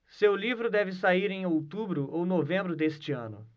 seu livro deve sair em outubro ou novembro deste ano